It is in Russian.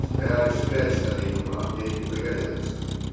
Спрячь, спрячь, старик: вам деньги пригодятся.